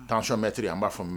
Tancɔnmetiriri an b'a n mɛn